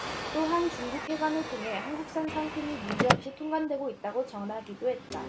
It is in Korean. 또한 중국 해관을 통해 한국산 상품이 문제없이 통관되고 있다고 전하기도 했다